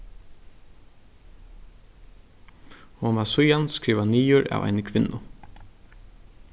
hon varð síðani skrivað niður av eini kvinnu